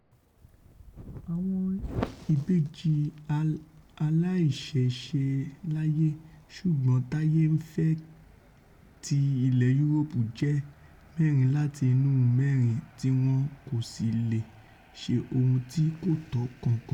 Àwọn ìbejì aláìṣeéṣàlàyé ṣùgbọ́n táyé ńfẹ́ ti ilẹ̀ Yuroopu jẹ́ mẹ́rin láti inú mẹ́rin tí wọn kòsí leè ṣe ohun tí kòtọ́ kankan.